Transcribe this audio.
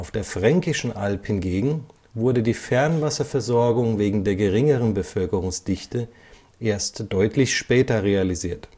der Fränkischen Alb hingegen wurde die Fernwasserversorgung wegen der geringeren Bevölkerungsdichte erst deutlich später realisiert